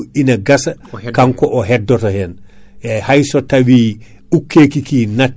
o renata kaadi koko fuɗi ko eyyi kanko o woni koye paquet: fra ton tokkoson olon